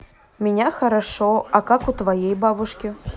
меня хорошо а как у твоей бабушки